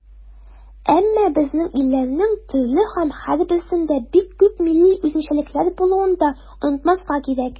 Әмма безнең илләрнең төрле һәм һәрберсендә бик күп милли үзенчәлекләр булуын да онытмаска кирәк.